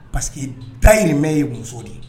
Parce que dahirimɛ ye muso de ye